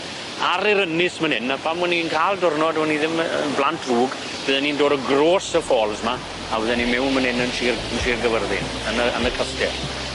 ar yr ynys man 'yn a phan o'n i'n ca'l diwrnod o'n i ddim yy yn blant drwg bydden ni'n dod o grôs y falls 'ma a fydden ni mewn man 'yn yn shir yn shir Gafyrddin yn y yn y castell.